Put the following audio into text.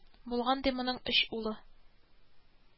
Булган ди моның өч улы